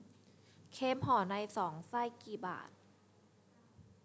เครปหอในสองไส้กี่บาท